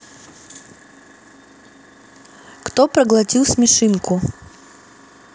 кто проглотил смешинку